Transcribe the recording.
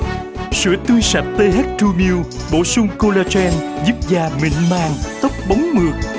sữa tươi sạch tê hắt tru miu bổ sung cô la gien giúp da mịn màng tóc bóng